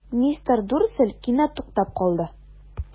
Мистер Дурсль кинәт туктап калды.